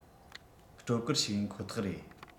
སྤྲོ གར ཞིག ཡིན ཁོ ཐག རེད